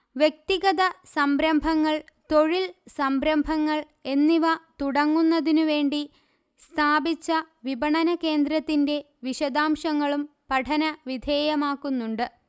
വ്യക്തിഗത സംരംഭങ്ങൾ തൊഴിൽ സംരംഭങ്ങൾ എന്നിവ തുടങ്ങുന്നതിനുവേണ്ടി സ്ഥാപിച്ച വിപണനകേന്ദ്രത്തിന്റെ വിശദാശംങ്ങളും പഠനവിധേയമാക്കുന്നുണ്ട്